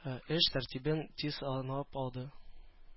Эш тәртибен тиз аңлап алды.